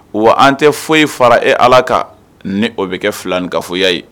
Wa an tɛ foyi fara e Ala ka ni o bɛ kɛ filankafoya ye